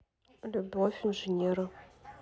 любовь инженера